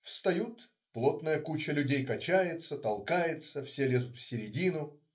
Встают, плотная куча людей качается, толкается, все лезут в середину.